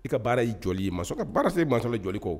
I ka baara ye jɔli ye maçon ka baara te maçon na jɔli kɔ o